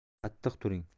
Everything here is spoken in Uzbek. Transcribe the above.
qattiq turing